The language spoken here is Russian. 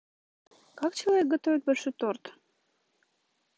как человек готовит большой торт